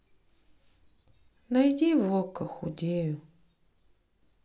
найди в окко худею